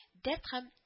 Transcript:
Дәрт һәм